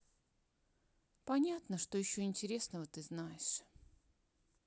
понятно что еще интересного ты знаешь